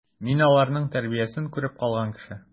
Мин аларның тәрбиясен күреп калган кеше.